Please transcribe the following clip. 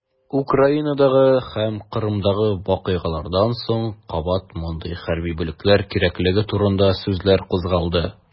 Украинадагы һәм Кырымдагы вакыйгалардан соң кабат мондый хәрби бүлекләр кирәклеге турында сүзләр кузгалды.